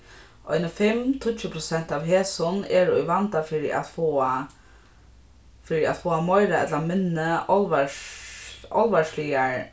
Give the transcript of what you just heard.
eini fimm tíggju prosent av hesum eru í vanda fyri at fáa fyri at fáa meira ella minni álvarsligar